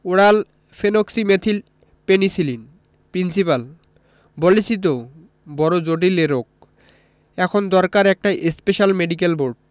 oral phenoxymethyl penicillin principal বলেছি তো বড় জটিল এ রোগ এখন দরকার একটা স্পেশাল মেডিকেল বোর্ড